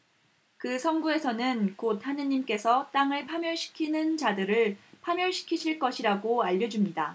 그 성구에서는 곧 하느님께서 땅을 파멸시키는 자들을 파멸시키실 것이라고 알려 줍니다